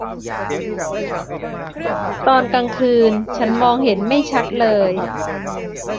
ตอนกลางคืนฉันมองเห็นไม่ชัดเลย